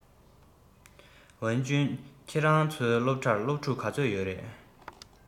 ཝུན ཅུན ཁྱོད རང ཚོའི སློབ གྲྭར སློབ ཕྲུག ག ཚོད ཡོད རེད